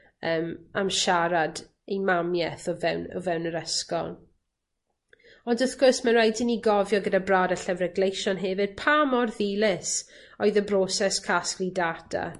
yym am siarad 'i mamieth o fewn o fewn yr ysgol ond wrth gwrs ma' raid i ni gofio gyda Brad y Llyfre Gleision hefyd pa mor ddilys oedd y broses casglu data.